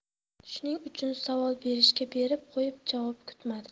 shuning uchun savol berishga berib qo'yib javob kutmadi